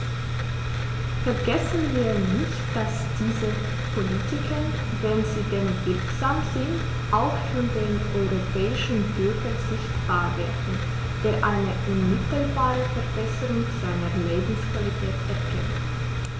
Vergessen wir nicht, dass diese Politiken, wenn sie denn wirksam sind, auch für den europäischen Bürger sichtbar werden, der eine unmittelbare Verbesserung seiner Lebensqualität erkennt!